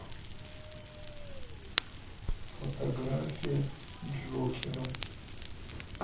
фотография джокера